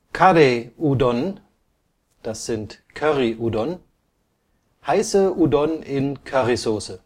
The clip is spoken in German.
Karē Udon (カレーうどん, „ Curry Udon “): Heiße Udon in Currysauce